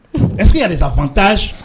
est-ce qu'il y a des avantages?